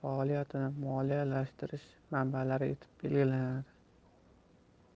moliyalashtirish manbalari etib belgilanadi